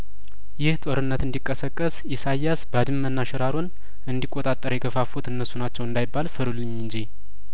ይህ ጦርነት እንዲ ቀሰቀስ ኢሳይያስ ባድመና ሽራሮን እንዲቆጣጠር የገፋፉት እነሱ ናቸው እንዳይባል ፍሩልኝ እንጂ